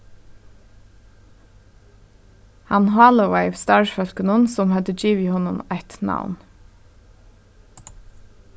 hann hálovaði starvsfólkunum sum høvdu givið honum eitt navn